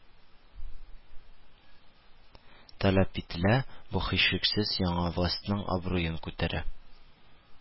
Таләп ителә, бу, һичшиксез, яңа властьның абруен күтәрә